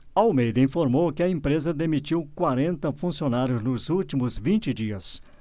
almeida informou que a empresa demitiu quarenta funcionários nos últimos vinte dias